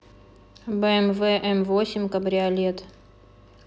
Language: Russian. бмв м восемь кабриолет